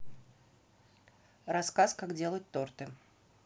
рассказ как делать торты